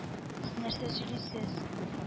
- сез нәрсә сөйлисез